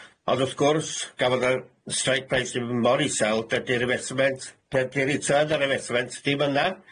Ond w'th gwrs gan fod yr strike price 'di mynd mor isel, dydi'r investment- dydi'r return of investment ddim yna.